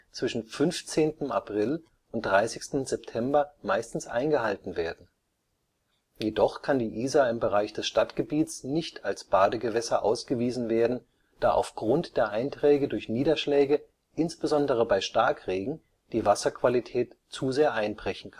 zwischen 15. April und 30. September meistens eingehalten werden. Jedoch kann die Isar im Bereich des Stadtgebiets nicht als Badegewässer ausgewiesen werden, da aufgrund der Einträge durch Niederschläge, insbesondere bei Starkregen, die Wasserqualität zu sehr einbrechen